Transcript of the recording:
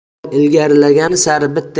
ular ilgarilaganlari sari bitta